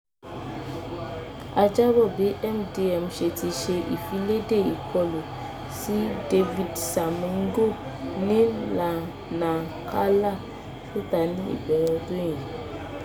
A jábọ̀ bí MDM ṣe ti ṣe ìfiléde ìkọlù sí David Simango ní Nacala síta ní ìbẹ̀rẹ̀ ọdún yìí.